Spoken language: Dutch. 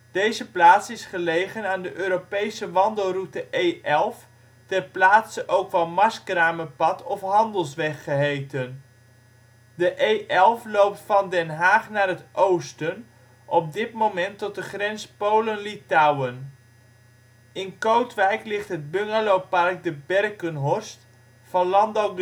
Deze plaats is gelegen aan de Europese wandelroute E11, ter plaatse ook wel Marskramerpad of Handelsweg geheten. De E11 loopt van Den Haag naar het oosten, op dit moment tot de grens Polen/Litouwen. In Kootwijk ligt het bungalowpark De Berkenhorst van Landal